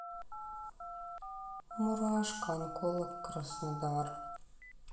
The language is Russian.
мурашко онколог краснодар